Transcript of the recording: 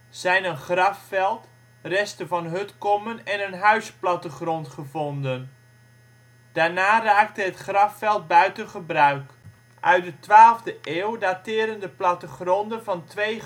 zijn een grafveld, resten van hutkommen en een huisplattegrond gevonden. Daarna raakte het grafveld buiten gebruikt. Uit de 12de eeuw dateren de plattegronden van twee